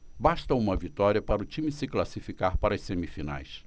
basta uma vitória para o time se classificar para as semifinais